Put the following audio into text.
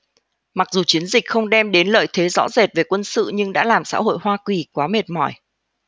mặc dù chiến dịch không đem đến lợi thế rõ rệt về quân sự nhưng đã làm xã hội hoa kỳ quá mệt mỏi